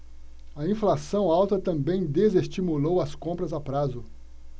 a inflação alta também desestimulou as compras a prazo